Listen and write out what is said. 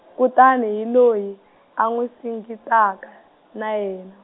kutani hi loyi, a n'wi singitaka, na yena.